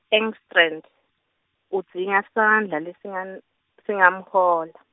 Engstrand, udzinga sandla lesingam- -singamhola.